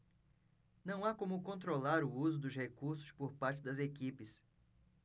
não há como controlar o uso dos recursos por parte das equipes